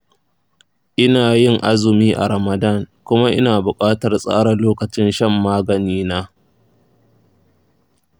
ina yin azumi a ramadan kuma ina bukatar tsara lokacin shan maganina.